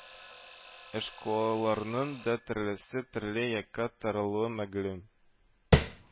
Эшкуарларның да төрлесе төрле якка таралуы мәгълум